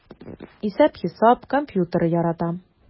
Исәп-хисап, компьютер ярата...